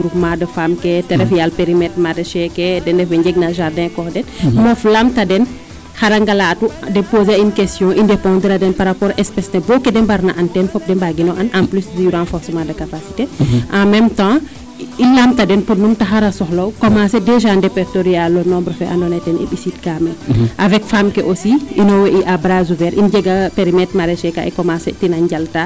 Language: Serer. Du renforcement du capacité en meme temps i laamta den podnum taxar a soxla'u commencer déjas repertaurier le nombre fe andoona yee i ɓisiid kaa meen avac femme ke aussi in way a bras ouvert i njega perimetre maraicher ka i commencer tina njaltaa.